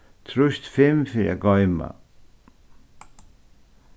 trýst fimm fyri at goyma